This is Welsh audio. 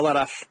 Fel arall,